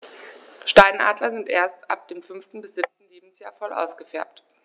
Steinadler sind erst ab dem 5. bis 7. Lebensjahr voll ausgefärbt.